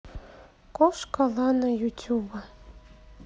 кошка лана ютуба